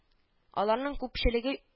Аларның күпчелеге